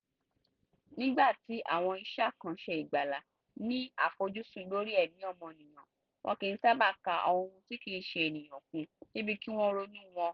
Nígbà tí àwọn iṣẹ́ àkànṣe ìgbàlà ní àfojúsùn lórí ẹ̀mí ọmọnìyàn, wọ́n kìí sábà ka àwọn ohun tí kìí ṣe ènìyàn kún débì kí wọ́n ronú wọn.